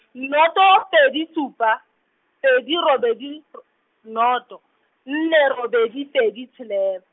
ni- noto pedi supa, pedi robedi r- noto, nne robedi pedi tshelela.